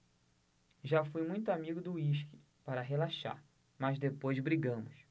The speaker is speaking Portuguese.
já fui muito amigo do uísque para relaxar mas depois brigamos